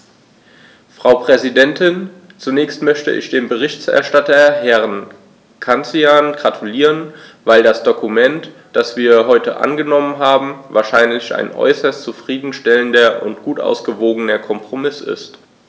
Frau Präsidentin, zunächst möchte ich dem Berichterstatter Herrn Cancian gratulieren, weil das Dokument, das wir heute angenommen haben, wahrlich ein äußerst zufrieden stellender und gut ausgewogener Kompromiss ist.